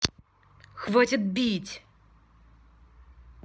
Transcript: хватит бить